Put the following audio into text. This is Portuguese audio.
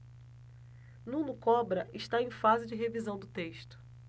nuno cobra está em fase de revisão do texto